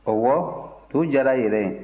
ɔwɔ to diyara yɛrɛ